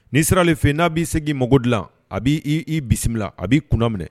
N'i seralen fɛ n'a b'i segin i mako dilan a b''i bisimila a b'i kun minɛ